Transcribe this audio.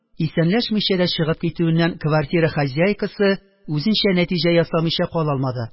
Исәнләшми дә чыгып китүеннән квартира хозяйкасы үзенчә нәтиҗә ясамыйча кала алмады: